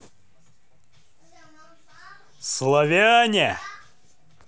славяне